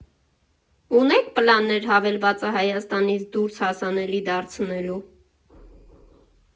Ունե՞ք պլաններ հավելվածը Հայաստանից դուրս հասանելի դարձնելու։